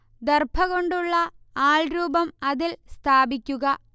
ദർഭ കൊണ്ടുള്ള ആൾരൂപം അതിൽ സ്ഥാപിയ്ക്കുക